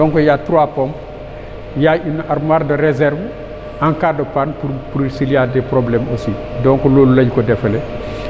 donc y' a trois pompes y' a une armoire de réserve en cas de panne pour pour s' il y' a des problèmes aussi donc loolu la ñu ko defalee